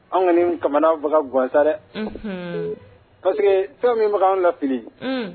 Anw kɔni ka faga gansa dɛ fɛn min makan an la fili